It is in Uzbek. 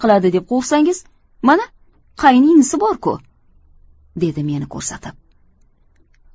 deb qo'rqsangiz mana qayin inisi bor ku dedi meni ko'rsatib